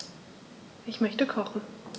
Ich möchte kochen.